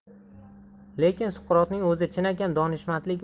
lekin suqrotning o'zi chinakam donishmandlik